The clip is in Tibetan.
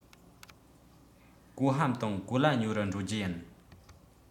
གོ ལྷམ དང གོ ལྭ ཉོ རུ འགྲོ རྒྱུ ཡིན